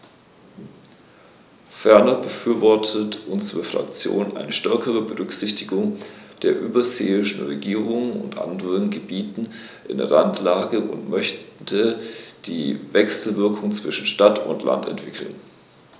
Ferner befürwortet unsere Fraktion eine stärkere Berücksichtigung der überseeischen Regionen und anderen Gebieten in Randlage und möchte die Wechselwirkungen zwischen Stadt und Land entwickeln.